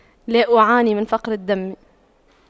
لا أعاني من فقر الدم